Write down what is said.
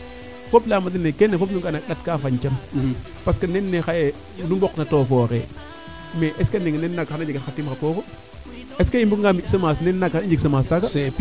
fop leyama den kene fop nu nga'na a ndat kaa faañ tan parce que neen ne xaye nu mbokna to foore mais est ce que xana jegat xa tim xa pooru est ce que i mbuga nga mbi semence neen naga xan i njeg semence kaaga